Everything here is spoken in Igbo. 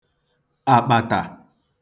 àkpàtà